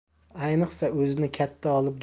ayniqsa o'zini katta olib